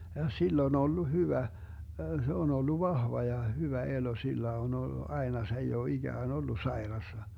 ja sillä on ollut hyvä se on ollut vahva ja hyvä elo sillä on ollut aina se ei ole ikään ollut sairaana